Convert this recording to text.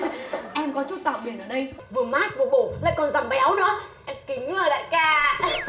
em có chút tảo biển ở đây vừa mát vừa bổ lại còn giảm béo nữa em kính mời đại ca ạ